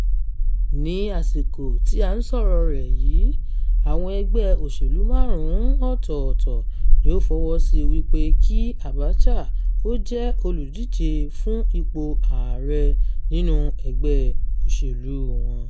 Ní àsìkò tí à ń sọ̀rọ̀ọ rẹ̀ yìí, àwọn ẹgbẹ́ òṣèlú márùn-ún ọ̀tọ̀ọ̀tọ̀ ni ó fọwọ́ síi wípé kí Abacha ó jẹ́ olùdíje fún ipò Ààrẹ nínú ẹgbẹ́ òṣèlúu wọn.